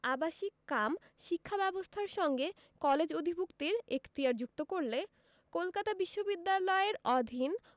আবাসিক কাম শিক্ষা ব্যবস্থার সঙ্গে কলেজ অধিভুক্তির এখতিয়ার যুক্ত করলে কলকাতা বিশ্ববিদ্যালয়ের অধীন